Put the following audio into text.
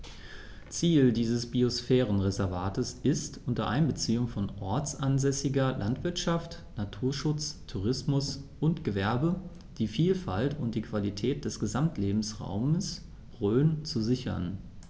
Ziel dieses Biosphärenreservates ist, unter Einbeziehung von ortsansässiger Landwirtschaft, Naturschutz, Tourismus und Gewerbe die Vielfalt und die Qualität des Gesamtlebensraumes Rhön zu sichern.